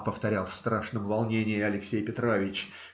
- повторял в страшном волнении Алексей Петрович